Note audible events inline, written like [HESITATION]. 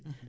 [HESITATION] [HESITATION]